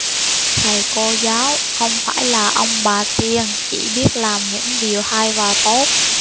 thầy cô giáo không phải là ông bà tiên chỉ biết làm những điều hay và tốt